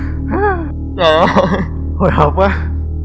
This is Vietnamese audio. trời ơi hồi hộp quá